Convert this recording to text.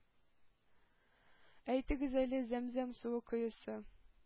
Әйтегез әле, зәм- зәм суы коесы